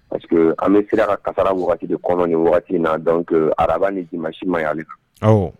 Parceseke an bɛ sera kara wagati kɔnɔ ni wagati na dɔn araba ni ji ma si maya